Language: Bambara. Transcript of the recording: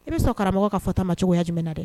I bɛ sɔn karamɔgɔ ka fɔtamacogoya jum na dɛ